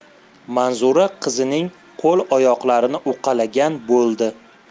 manzura qizining qo'l oyoqlarini uqalagan bo'ldi